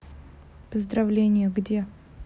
поздравление где